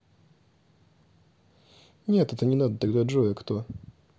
нет это не надо тогда джой а кто